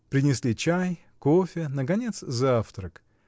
Принесли чай, кофе, наконец, завтрак.